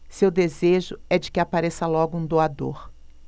seu desejo é de que apareça logo um doador